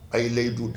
A'layidu da